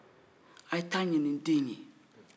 a' ye taa ɲinin n den ye